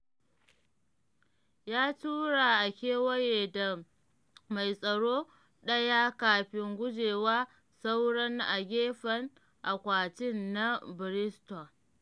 Ya tura a kewaye da mai tsaro daya kafin gujewa sauran a gefen akwati na Brighton.